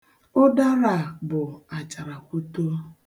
Ụdara a bụ acharakwoto.